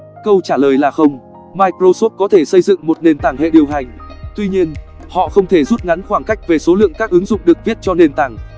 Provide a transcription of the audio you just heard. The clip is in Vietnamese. câu trả lời là không microsoft có thể xây dựng một nền tảng hệ điều hành tuy nhiên họ không thể rút ngắn khoảng cách về số lượng các ứng dụng được viết cho nền tảng